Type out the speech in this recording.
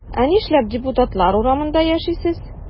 Ә нишләп депутатлар урамында яшисез?